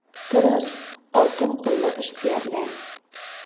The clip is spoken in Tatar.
Тырыш, алтын куллы эшсөярләр.